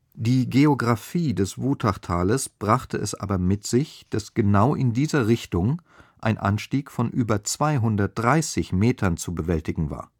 Die Geografie des Wutachtales brachte es aber mit sich, dass genau in dieser Richtung ein Anstieg von über 230 Metern zu bewältigen war